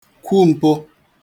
kwu mpụ